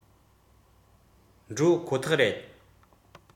འགྲོ ཁོ ཐག རེད